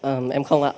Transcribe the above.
em không ạ